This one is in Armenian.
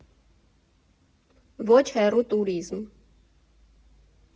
Ոչ հեռու տուրիզմ։